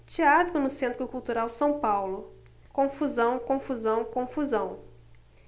teatro no centro cultural são paulo confusão confusão confusão